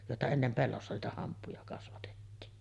joita ennen pellossa niitä hamppuja kasvatettiin